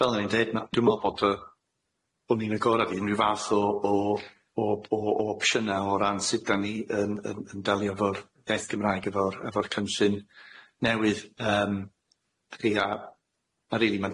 Yy fel o'n i'n deud ma' dwi me'wl bod yy bo' ni'n agoradu unryw fath o o o o opsiyne o ran sud dan ni yn yn yn dalio efo'r daith Gymraeg efo'r efo'r cynllun newydd yym yy a rili ma'n